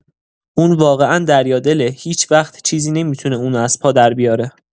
اون واقعا دریادله، هیچ‌وقت چیزی نمی‌تونه اونو از پا دربیاره.